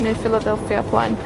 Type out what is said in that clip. Neu Philadelphia plaen.